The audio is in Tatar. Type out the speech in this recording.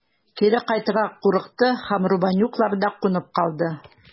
Кире кайтырга курыкты һәм Рубанюкларда кунып калды.